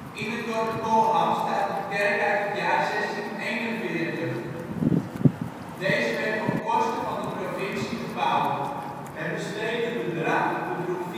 In het dorp Kolham staat een kerk uit het jaar 1641. Deze werd op kosten van de provincie gebouwd. Het bestede bedrag bedroeg